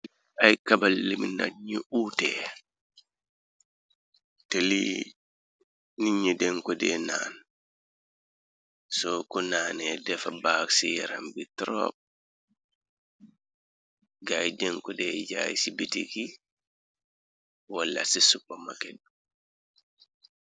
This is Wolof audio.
Ay kabal limi naj ñu uutee te li ni ñi denko dee naan soo ko naanee defa baag ci yaram bi tropp gaay denko dee jaay ci biti gi walla ci suppamaketu.